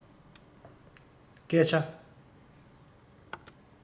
སྐད ཆ